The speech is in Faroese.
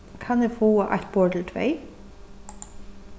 kann eg fáa eitt borð til tvey